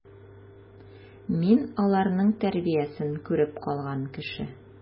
Мин аларның тәрбиясен күреп калган кеше.